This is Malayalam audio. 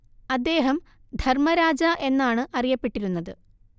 അദ്ദേഹം ധർമ്മരാജ എന്നാണ് അറിയപ്പെട്ടിരുന്നത്